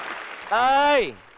ơi